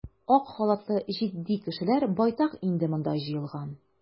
Ак халатлы җитди кешеләр байтак инде монда җыелган.